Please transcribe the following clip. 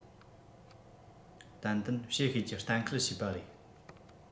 ཏན ཏན བྱེད ཤེས ཀྱི གཏན འཁེལ བྱས པ རེད